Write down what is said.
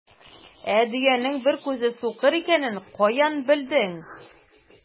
Ә дөянең бер күзе сукыр икәнен каян белдең?